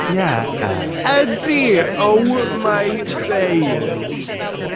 Ie. Ydy. Oh, my days!